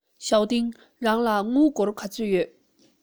ཞའོ ཏིང རང ལ དངུལ སྒོར ག ཚོད ཡོད